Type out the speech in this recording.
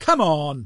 Come on!